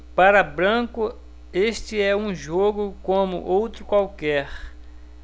para branco este é um jogo como outro qualquer